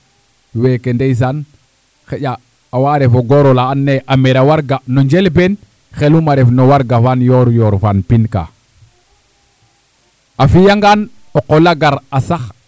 weeke ndeysaan xaƴa awaa ref o goor ola andoona yee a mera warga no njel ben xelum a ref no warga fa yoor yoor fa pin ka a fiyangaan o qol la gar a sax